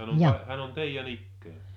hän on teidän ikäinen